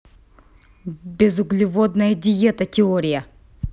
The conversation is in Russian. безуглеводная диета теория